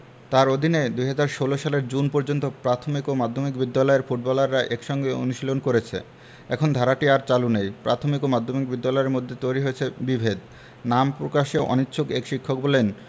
তাঁর অধীনে ২০১৬ সালের জুন পর্যন্ত প্রাথমিক ও মাধ্যমিক বিদ্যালয়ের ফুটবলাররা একসঙ্গে অনুশীলন করেছে এখন ধারাটি আর চালু নেই প্রাথমিক ও মাধ্যমিক বিদ্যালয়ের মধ্যে তৈরি হয়েছে বিভেদ নাম প্রকাশে অনিচ্ছুক এক শিক্ষক বললেন